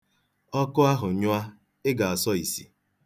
Ọkụ ahụ nyụọ, ị ga-asọ isi.